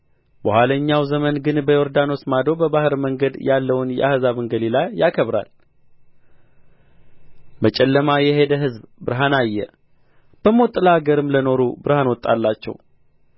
በኋለኛው ዘመን ግን በዮርዳኖስ ማዶ በባሕር መንገድ ያለውን የአሕዛብን ገሊላ ያከብራል በጨለማ የሄደ ሕዝብ ብርሃን አየ በሞት ጥላ አገርም ለኖሩ ብርሃን ወጣላቸው